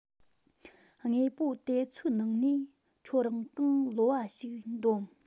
དངོས པོ དེ ཚོའི ནང ནས ཁྱོད རང གང ལོ བ ཞིག འདོམས